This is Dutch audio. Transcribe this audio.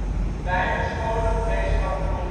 beiden scholengemeenschappen voor